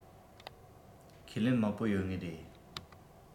ཁས ལེན མང པོ ཡོད ངེས རེད